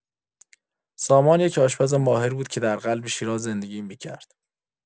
سامان یک آشپز ماهر بود که در قلب شیراز زندگی می‌کرد.